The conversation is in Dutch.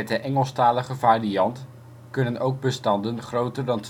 Engelstalige variant kunnen ook bestanden groter dan